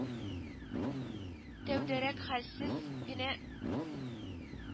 Тәүдәрәк хәлсез генә